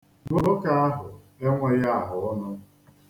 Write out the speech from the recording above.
Nwoke ahụ enweghị ahụọnụ.